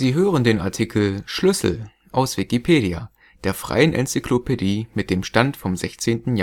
hören den Artikel Schlüssel, aus Wikipedia, der freien Enzyklopädie. Mit dem Stand vom Der